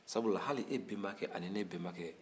sabula hali e bɛnbakɛ ani ne bɛnbakɛ